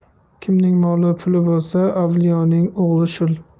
kimning moli puli bo'lsa avliyoning o'g'li shul